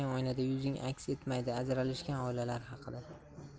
oynada yuzing aks etmaydi ajralishgan oilalar haqida